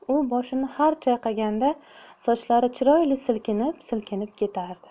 u boshini har chayqaganda sochlari chiroyli silkinib silkinib ketardi